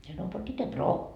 minä sanoin po bitte broo